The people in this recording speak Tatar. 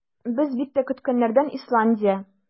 Без бик тә көткәннәрдән - Исландия.